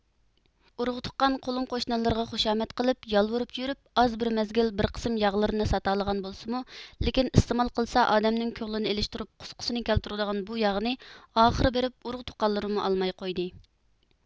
ئۇرۇق تۇغقان قولۇم قوشنىلىرىغا خۇشامەت قىلىپ يالۋۇرۇپ يۈرۈپ ئاز بىر مەزگىل بىر قىسىم ياغلىرىنى ساتالىغان بولسىمۇ لېكىن ئىستېمال قىلسا ئادەمنىڭ كۆڭلىنى ئېلىشتۇرۇپ قۇسقىسىنى كەلتۈرىدىغان بۇ ياغنى ئاخىر بېرىپ ئۇرۇق تۇغقانلىرىمۇ ئالماي قويدى